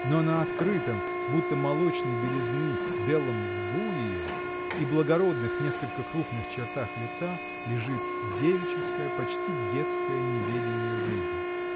но на открытом, будто молочной белизны белом лбу ее и благородных, несколько крупных чертах лица лежит девическое, почти детское неведение жизни.